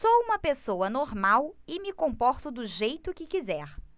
sou homossexual e me comporto do jeito que quiser